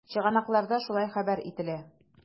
Чыганакларда шулай хәбәр ителә.